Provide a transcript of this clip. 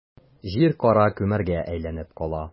Җир кара күмергә әйләнеп кала.